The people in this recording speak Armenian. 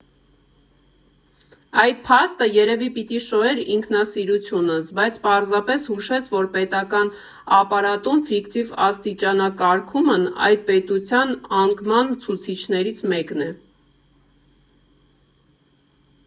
Այդ փաստը երևի պիտի շոյեր ինքնասիրությունս, բայց պարզապես հուշեց, որ պետական ապարատում ֆիկտիվ աստիճանակարգումն այդ պետության անկման ցուցիչներից մեկն է։